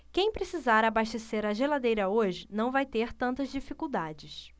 quem precisar abastecer a geladeira hoje não vai ter tantas dificuldades